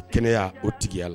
Kɛnɛya' o tigiya